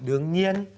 đương nhiên